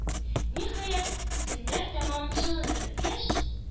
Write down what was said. Ниһаять, көннәр тәмам җылынып беткәч,